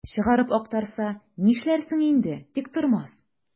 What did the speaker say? Чыгарып актарса, нишләрсең инде, Тиктормас?